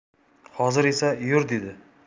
hozir esa yur dedi